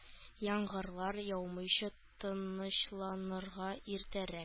Яңгырлар яумыйча, тынычланырга иртәрәк